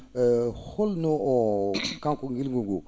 e holno kanko ngilngu nguu